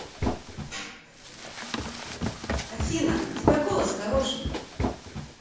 афина у тебя голос хороший